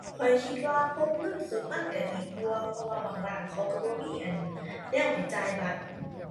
ข้อยคิดว่าพกเงินสดมันก็ดีกว่า เพราะว่าบางร้านเขาก็บ่มี อั่น แนวให้จ่ายบัตร